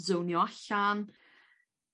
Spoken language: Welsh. ...zownio allan